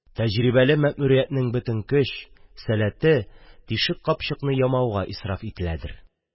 Тәҗрибәле мәэмуриятның бөтен көч, сәләте тишек капчыкны ямауга исраф ителәдер.